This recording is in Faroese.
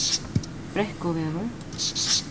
brekkuvegur